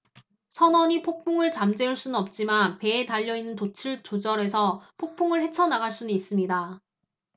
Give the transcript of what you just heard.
선원이 폭풍을 잠재울 수는 없지만 배에 달려 있는 돛을 조절해서 폭풍을 헤쳐 나갈 수는 있습니다